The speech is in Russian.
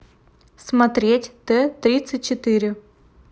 смотреть т тридцать четыре